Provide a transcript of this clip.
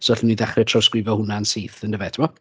So allen ni ddechrau trawsgrifo hwnna'n syth yndyfe, timod.